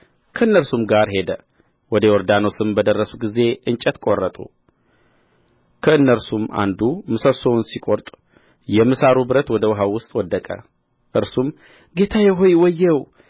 ከእነርሱም ጋር ሄደ ወደ ዮርዳኖስም በደረሱ ጊዜ እንጨት ቆረጡ ከእነርሱም አንዱ ምሰሶውን ሲቆርጥ የምሳሩ ብረት ወደ ውኃው ውስጥ ወደቀ እርሱም ጌታዬ ሆይ ወየው